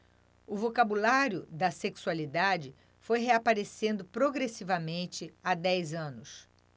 o vocabulário da sexualidade foi reaparecendo progressivamente há dez anos